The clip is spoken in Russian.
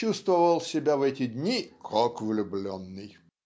чувствовал себя в эти дни "как влюбленный".